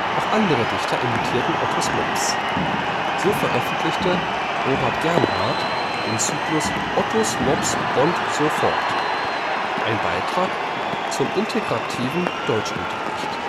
Auch andere Dichter imitierten ottos mops. So veröffentlichte Robert Gernhardt den Zyklus Ottos Mops ond so fort. Ein Beitrag zum integrativen Deutschunterricht